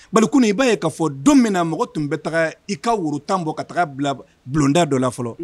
Bari kunu i ba ye ka fɔ don min na mɔgɔ tun bɛ taga i ka woro 10 bɔ. Ka taga bulonda dɔ la fɔlɔ.